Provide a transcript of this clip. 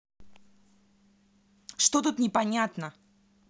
что ничего не понятно